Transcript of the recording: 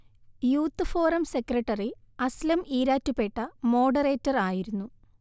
youth forum secretary Aslam Erattupetta moderator ആയിരുന്നു